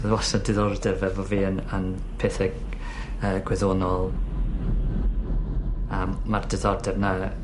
Odd wastod diddordeb efo fi yn yn petheg- yy gwyddonol. A ma'r diddordeb 'na